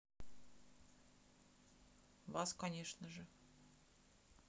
вас конечно же